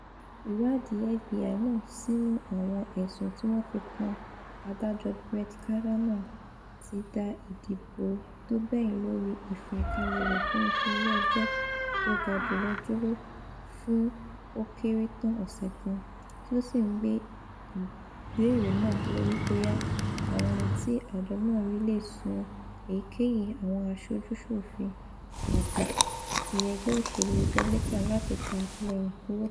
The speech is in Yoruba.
Ìwáàdí FBI náà sínú àwọn ẹ̀sùn tíwọ́n fi kan Adájọ́ Brett Kavanaugh ti dá ìdìbò tógbẹ̀yìn lórí ìfàkalẹ rẹ̀ fún iṣẹ́ Ilé Ẹjọ́ Tógajùlọ duro fún ó kéré tán ọ̀sẹ̀ kan, tí ó sì ńgbé ìbéèrè náà lori boya àwọn ohun ti àjọ náà rí leè sún èyíkéyìí àwọn aṣojú-ṣòfin àgbà ti ẹgbẹ́ òṣèlú Republican láti fa àtìlẹyìn kuro.